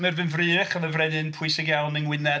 Merfyn Frych oedd yn frenin pwysig iawn yng Ngwynedd.